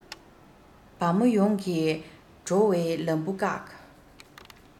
བ མོ ཡོངས ཀྱི འགྲོ བའི ལམ བུ བཀག